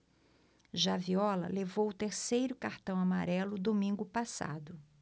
já viola levou o terceiro cartão amarelo domingo passado